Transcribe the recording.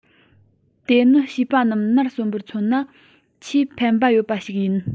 དེ ནི བྱིས པ རྣམས ནར སོན པར མཚོན ན ཆེས ཕན པ ཡོད པ ཞིག ཡིན